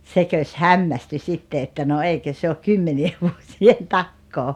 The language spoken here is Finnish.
sekös hämmästyi sitten että no eikö se ole kymmenien vuosien takaa